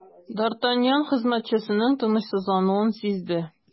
Д’Артаньян хезмәтчесенең тынычсызлануын сизде.